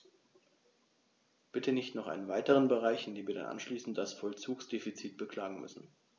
Bitte nicht noch einen weiteren Bereich, in dem wir dann anschließend das Vollzugsdefizit beklagen müssen.